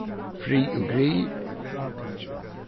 frið og grið